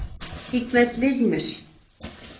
Хикмәтле җимеш!